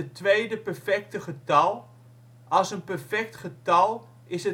tweede perfecte getal. Als een perfect getal, is